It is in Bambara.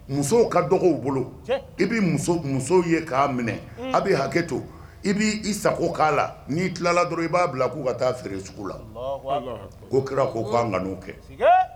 Musow ka dɔgɔw bolo i bɛ musow ye k'a minɛ a bɛ hakɛ to i i sago k'a la n'i tilala dɔrɔn i b'a bila k'u ka taa feere sugu la' kɛra ko ban ŋ kɛ